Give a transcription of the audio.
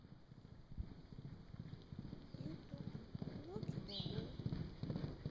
ютуб локи бобо